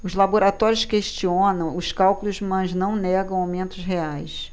os laboratórios questionam os cálculos mas não negam aumentos reais